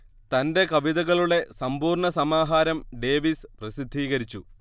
തന്റെ കവിതകളുടെ സമ്പൂർണ സമാഹാരം ഡേവീസ് പ്രസിദ്ധീകരിച്ചു